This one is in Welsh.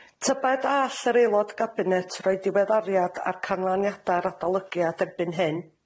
Tybed a all yr Aelod Cabinet roi diweddariad a'r canlyniadau'r adolygiad erbyn hyn?